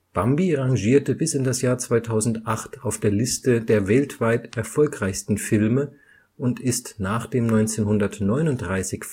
Bambi rangiert bis in die Gegenwart (2008) auf der Liste der weltweit erfolgreichsten Filme und ist nach dem 1939